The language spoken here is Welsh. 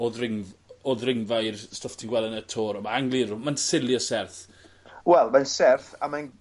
o ddringf- o ddringfa i'r stwff ti'n gwel' y y Tour ma' Angrilu ma'n sili o serth. Wel mae'n serth a mae'n